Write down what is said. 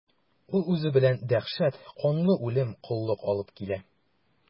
Ул үзе белән дәһшәт, канлы үлем, коллык алып килә.